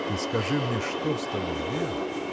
— Ты скажи мне, что с тобой, Вера?